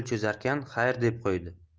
cho'zarkan xayr deb qo'ydi